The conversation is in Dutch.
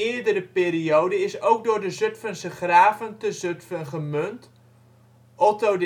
eerdere perioden is ook door de Zutphense graven te Zutphen gemunt (Otto